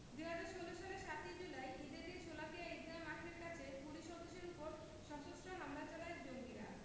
২০১৬ সালের ৭ই জুলাই ঈদের দিন শোলাকিয়া ঈদগাহ মাঠের কাছে পুলিশ সদস্যদের ওপর সশস্ত্র হামলা চালায় জঙ্গিরা